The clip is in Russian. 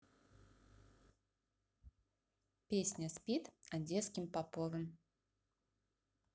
песня спит одесским поповым